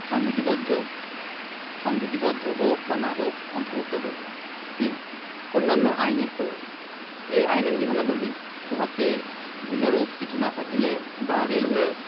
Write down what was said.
সংবিধিবদ্ধ সংবিধিবদ্ধ হউক বা না হউক অন্তর্ভুক্ত হইবে ৩ অন্যান্য আইনের প্রয়োগঃ এই আইনের বিধানবলী উহাতে ভিন্নরূপ কিছু না থাকিলে দ্যা রেইলওয়েস